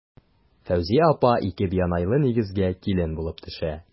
Фәүзия апа ике бианайлы нигезгә килен булып төшә.